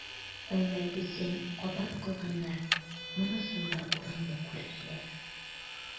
Әүвәлгесен исбат кылганнар монысын да урынлы күрерләр.